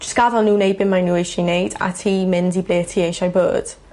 Jys' gad'el n'w neud be' mae n'w eisiau neud a ti mynd i be' ti eisiau bod.